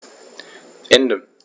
Ende.